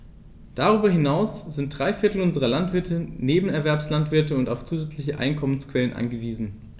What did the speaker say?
Darüber hinaus sind drei Viertel unserer Landwirte Nebenerwerbslandwirte und auf zusätzliche Einkommensquellen angewiesen.